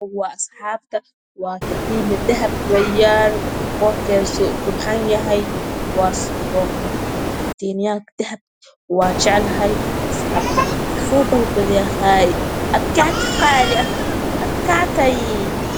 Waa katiinad dahab yaal korkeeda so u qur xanyahy katinayal dahabka wan jeclhy asxabta sodalbada yaqey adkaatay qaali ad kaatay